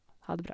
Ha det bra.